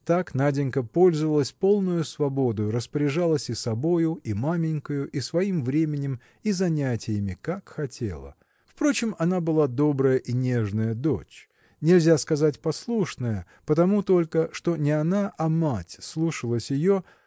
Так Наденька пользовалась полною свободою распоряжалась и собою и маменькою и своим временем и занятиями как хотела. Впрочем она была добрая и нежная дочь нельзя сказать – послушная потому только что не она а мать слушалась ее